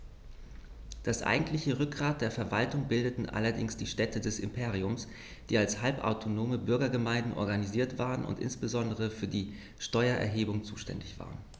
Das eigentliche Rückgrat der Verwaltung bildeten allerdings die Städte des Imperiums, die als halbautonome Bürgergemeinden organisiert waren und insbesondere für die Steuererhebung zuständig waren.